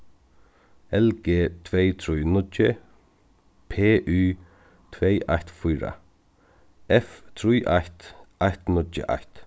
l g tvey trý níggju p y tvey eitt fýra f trý eitt eitt níggju eitt